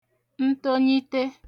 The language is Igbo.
ntonyite